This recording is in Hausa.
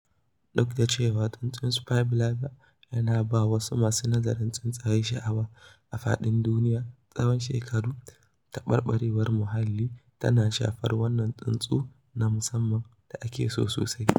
Duk da cewa tsuntsun Spiny Blabber yana ba wa masu nazarin tsuntsaye sha'awa a faɗin duniya tsawon shekaru, taɓarɓarewar muhalli tana shafar wannan tsuntsun na musamman da ake so sosai.